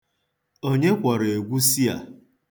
Onye kwọrọ egwusi a?